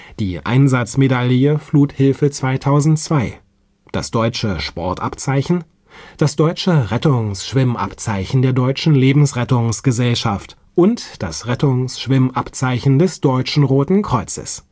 die Einsatzmedaille Fluthilfe 2002, das Deutsche Sportabzeichen, das Deutsche Rettungsschwimmabzeichen der Deutschen Lebens-Rettungs-Gesellschaft und das Rettungsschwimmabzeichen des Deutschen Roten Kreuzes